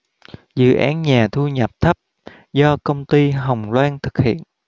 dự án nhà thu nhập thấp do công ty hồng loan thực hiện